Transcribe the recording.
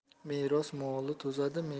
meros moli to'zadi